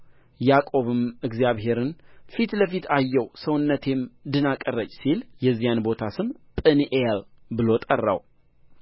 ያዕቆብም እግዚአብሔርን ፊት ለፊት አየሁ ሰውነቴም ድና ቀረች ሲል የዚያን ቦታ ስም ዳኒኤል ብሎ ጠራው